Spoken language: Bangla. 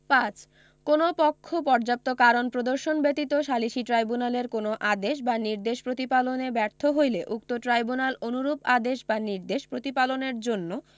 ৫ কোন পক্ষ পর্যান্ত কারণ প্রদর্শন ব্যতীত সালিসী ট্রাইব্যুনালের কোন আদেশ বা নির্দেশ প্রতিপালনে ব্যর্থ হইলে উক্ত ট্রাইব্যুনাল অনুরূপ আদেশ বা নির্দেশ প্রতিপালনের জন্য